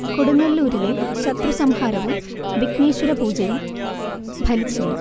കൊടുങ്ങല്ലൂരിലെ ശത്രു സംഹാരവും വിഘ്നേശ്വര പൂജയും ഫലിച്ചില്ല